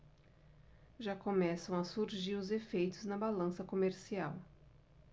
já começam a surgir os efeitos na balança comercial